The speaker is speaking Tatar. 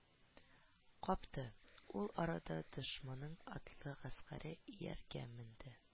Капты, ул арада дошманның атлы гаскәре ияргә менде